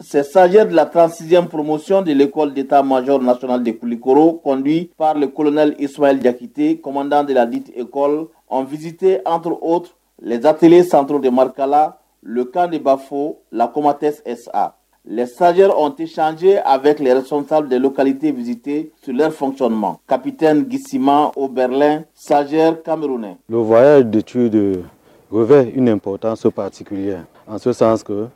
Sesɛ la tansiorourmosiyon de de kɔli de taa maj nasona delikoro codi par de kolonɛlisumanlidiyakite comand de laditee kɔ 2isite antor o te sanro de marikala kkan de b'a fɔ lakɔma tɛ sa c tɛ se a bɛ tileresi tanri delkalite vte sour re fsɔn ma kapite gesesima o bɛrɛ s kanmere fa detu de op patiur